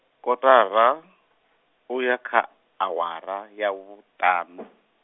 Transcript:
kotara, uya kha awara ya vhuṱaṋu.